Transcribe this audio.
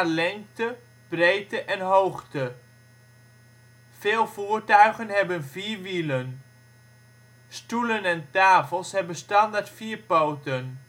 lengte, breedte en hoogte. Veel voertuigen hebben vier wielen. Stoelen en tafels hebben standaard vier poten